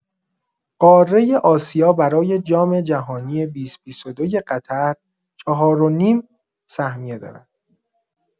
قاره آسیا برای جام‌جهانی ۲۰۲۲ قطر، ۴ و نیم سهمیه دارد.